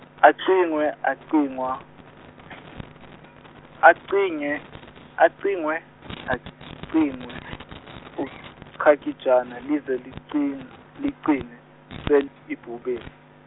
acingwe acingwe, acingwe, acingwe acingwe, uChakijana lize ligci- ligcine se- ibhubesi.